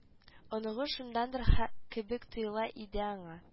Оныгы шундадыр хэ кебек тоела иде аңа